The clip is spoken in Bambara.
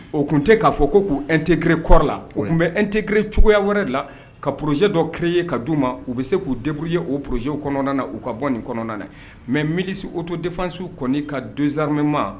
O tun tɛ k'a fɔ ko k'u e tekereɔrɔri la o tun bɛ e tekiri cogoyaya wɛrɛ la ka pze dɔ kree ka di u ma u bɛ se k'u deburu ye o pze kɔnɔna na u ka bɔ nin kɔnɔna na mɛ miirisi uto defasiw kɔni ka don zarimema